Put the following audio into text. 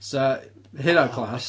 'Sa hynna'n class.